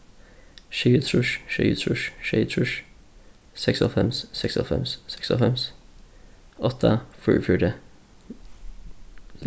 sjeyogtrýss sjeyogtrýss sjeyogtrýss seksoghálvfems seksoghálvfems seksoghálvfems átta fýraogfjøruti